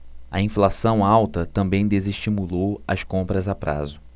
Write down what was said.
a inflação alta também desestimulou as compras a prazo